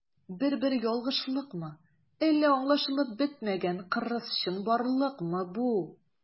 Бер-бер ялгышлыкмы, әллә аңлашылып бетмәгән кырыс чынбарлыкмы бу?